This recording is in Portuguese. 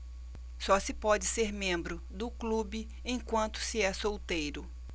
só se pode ser membro do clube enquanto se é solteiro